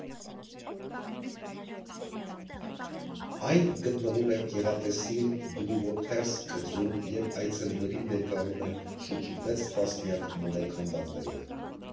Այն գտնվում է գեղատեսիլ Բլուվոթերս կղզում և այցելուներին ներկայանում է շուրջ վեց տասնյակ մոմե քանդակներով։